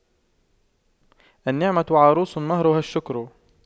النعمة عروس مهرها الشكر